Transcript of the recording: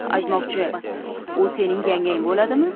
aytmoqchi u sening yangang boladimi